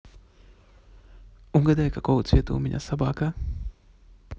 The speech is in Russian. угадай какого цвета у меня собака